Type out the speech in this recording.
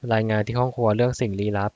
รายงานที่ห้องครัวเรื่องสิ่งลี้ลับ